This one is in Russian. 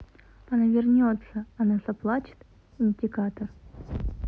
она вернется она заплачет индикатор